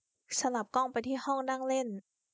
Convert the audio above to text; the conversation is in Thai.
สลับกล้องไปที่ห้องนั่งเล่น